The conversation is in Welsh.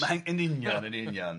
Mae'n... yn union yn union.